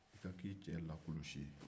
i ka k'i cɛ la kulusi ye